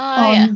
O ia.